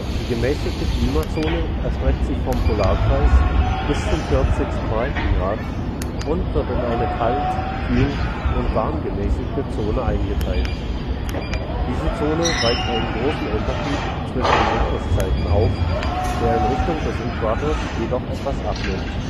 Die gemäßigte Klimazone erstreckt sich vom Polarkreis bis zum vierzigsten Breitengrad und wird in eine kalt -, kühl - und warmgemäßigte Zone eingeteilt. Diese Zone weist einen großen Unterschied zwischen den Jahreszeiten auf, der in Richtung des Äquators jedoch etwas abnimmt